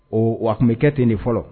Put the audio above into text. Oo a tun bɛ kɛ ten de fɔlɔ